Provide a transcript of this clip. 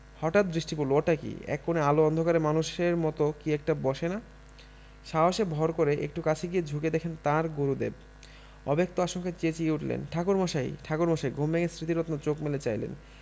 হঠাৎ দৃষ্টি পড়ল ওটা কি এক কোণে আলো অন্ধকারে মানুষের মত কি একটা বসে না সাহসে ভর করে একটু কাছে গিয়ে ঝুঁকে দেখেন তাঁর গুরুদেব অব্যক্ত আশঙ্কায় চেঁচিয়ে উঠলেন ঠাকুরমশাই ঠাকুরমশাই ঘুম ভেঙ্গে স্মৃতিরত্ন চোখ মেলে চাইলেন